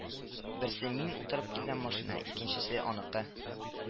Берсе мин утырып килгән машина, икенчесе — аныкы